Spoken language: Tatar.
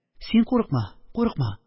Син курыкма, курыкма.